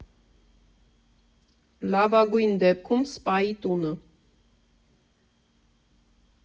Լավագույն դեպքում Սպայի տունը։